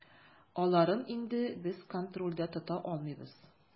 Аларын инде без контрольдә тота алмыйбыз.